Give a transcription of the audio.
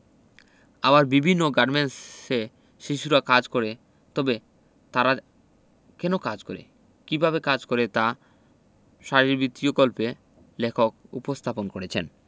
আবার বিভিন্ন গার্মেন্টসে শিশুরা কাজ করে তবে তারা কেন কাজ করে কিভাবে কাজ করে তা শরীরবৃত্তীয় গল্পে লেখক উপস্থাপন করেছেন